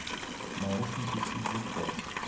наушники си джи подс